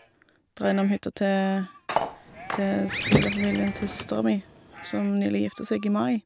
Dra innom hytta til til svigerfamilien til søstera mi, som nylig gifta seg, i mai.